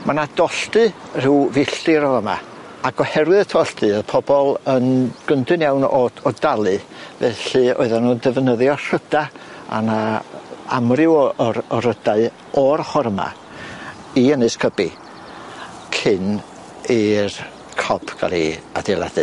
Ma' 'na dolldy rhyw filltir o fa'ma ag oherwydd y dolldy o'dd pobol yn gyndyn iawn o- o dalu felly oeddan n'w'n defnyddio rhyda a 'na amryw o- o'r o rydau o'r ochor yma i ynys cybi cyn i'r cob ga'l i adeiladu.